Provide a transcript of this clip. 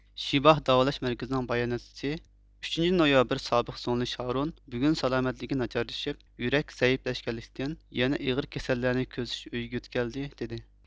شېباھ داۋالاش مەركىزىنىڭ باياناتچىسى ئۈچىنچى نويابىر سابىق زۇڭلى شارون بۈگۈن سالامەتلىكى ناچارلىشىپ يۈرەك زەئىپلەشكەنلىكتىن يەنە ئېغىر كېسەللەرنى كۆزىتىش ئۆيىگە يۆتكەلدى دېدى